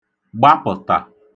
gbapə̣̀tà